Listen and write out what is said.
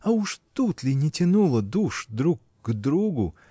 А уж тут ли не тянуло душ друг к другу